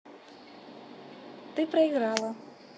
ты проиграла